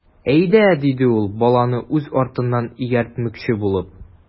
Әйдә,— диде ул, баланы үз артыннан ияртмөкче булып.